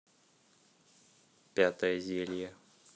пятое зелье